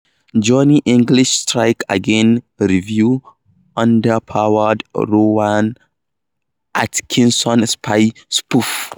Johnny English Strikes Again review - underpowered Rowan Atkinson spy spoof